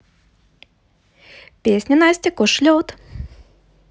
песня настя кош лед